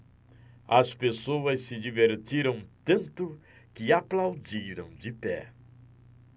as pessoas se divertiram tanto que aplaudiram de pé